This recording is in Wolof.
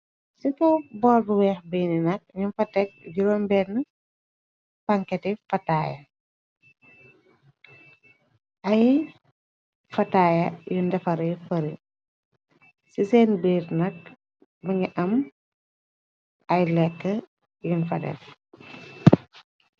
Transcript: Ci kaw bool bu weex bini nak nu fa tek juroombenn panketi fataaya ay fataaya yun defare fëri ci seen biir nak mu nga am ay lekk yun fa def.